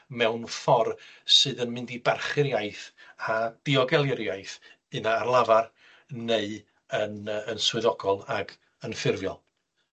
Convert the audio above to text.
mewn ffor' sydd yn mynd i barchu'r iaith a diogelu'r iaith, una' ar lafar neu yn yy yn swyddogol ag yn ffurfiol.